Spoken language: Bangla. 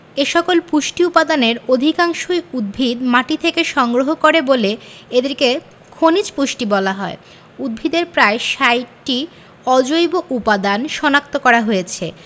এসকল পুষ্টি উপাদানের অধিকাংশই উদ্ভিদ মাটি থেকে সংগ্রহ করে বলে এদেরকে খনিজ পুষ্টি বলা হয় উদ্ভিদে প্রায় ৬০টি অজৈব উপাদান শনাক্ত করা হয়েছে